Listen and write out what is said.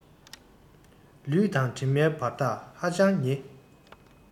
ལུས དང གྲིབ མའི བར ཐག ཧ ཅང ཉེ